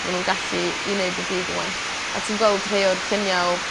ma' nw'n gallu i neud y byd yn well. A ti'n gweld rhei o'r llunia' o